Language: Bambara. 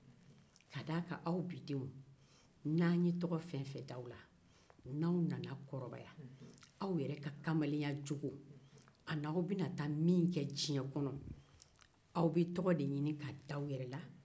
ka d'a kan aw bi denw n'anw ye tɔgɔ da aw la n'aw kɔrɔbayara aw yɛrɛ ka kamalenyajogo ani aw bɛna min kɛ diɲɛ a' bɛ tɔgɔ da aw yɛrɛ la